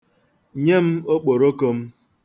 Nye m okporoko m.